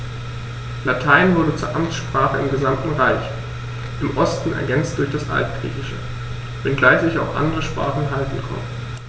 Latein wurde zur Amtssprache im gesamten Reich (im Osten ergänzt durch das Altgriechische), wenngleich sich auch andere Sprachen halten konnten.